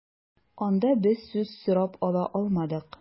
Анда без сүз сорап ала алмадык.